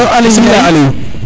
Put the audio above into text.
bismila Aliou